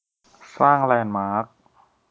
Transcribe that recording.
สร้างแลนด์มาร์ค